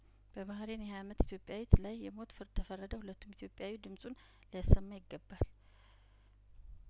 በባህሬን የሀያ አመት ኢትዮጵያዊት ላይ የሞት ፍርድ ተፈረደ ሁለቱም ኢትዮጵያዊ ድምጹን ሊያሰማ ይገባል